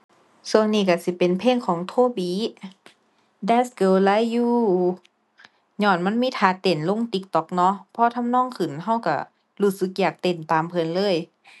ช่วงนี้ช่วงสิเป็นเพลงของ Tobii Bad Girls Like You ญ้อนมันมีท่าเต้นลง TikTok เนาะ พอทำนองขึ้นช่วงช่วงรู้สึกอยากเต้นตามเพิ่นเลย